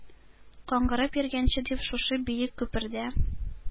Каңгырып йөргәнче дип шушы биек күпердә